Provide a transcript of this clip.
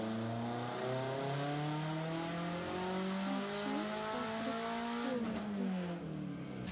включи патрик суэйзи